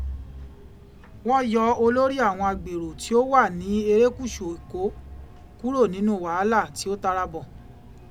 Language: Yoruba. Wọ́n yọ olórí àwọn agbèrò tí ó wà ní erékùṣù Èkó kúrò nínú wàhálà tí ó tara bọ̀.